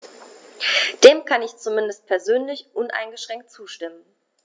Dem kann ich zumindest persönlich uneingeschränkt zustimmen.